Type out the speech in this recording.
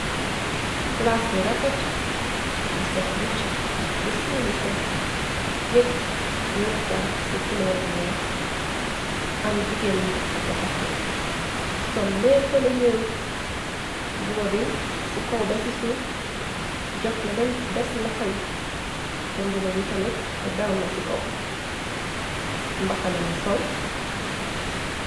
Palas bu refet bu set wec bu silwise nekka ci kulor bu weex am jigéen bu fa taxaw sol léppalu ñuul mbuba bi ci kow be ci suuf jot na bem des loxoy te mbuba bi tamit dañ ci kow . mbaxana la sol.